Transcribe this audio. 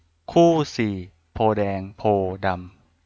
คู่สี่โพธิ์แดงโพธิ์ดำ